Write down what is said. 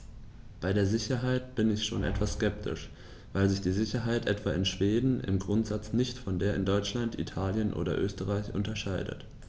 Bei der Sicherheit bin ich schon etwas skeptisch, weil sich die Sicherheit etwa in Schweden im Grundsatz nicht von der in Deutschland, Italien oder Österreich unterscheidet.